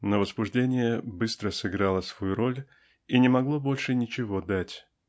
Но возбуждение быстро сыграло свою роль и не могло больше ничего дать.